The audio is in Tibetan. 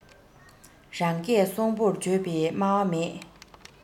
རང སྐད སྲོང པོར བརྗོད པའི སྨྲ བ མེད